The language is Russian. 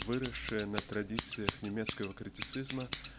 выросшая на традициях немецкого критицизма